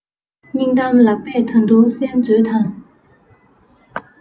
སྙིང གཏམ ལགས པས ད དུང གསན མཛོད དང